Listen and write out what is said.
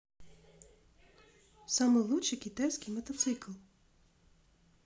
самый лучший китайский мотоцикл